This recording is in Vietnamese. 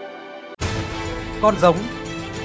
con con giống